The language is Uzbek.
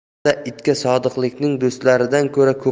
tarixda itga sodiqlikning do'stlaridan